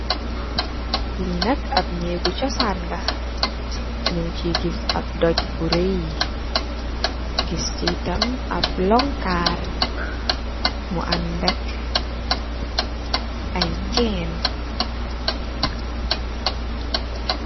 Li nak ap neku cosaan la, ñuñ ci gis ap doj bu réy. Gis ci yitam ap lonkar mu andak ay cèèn.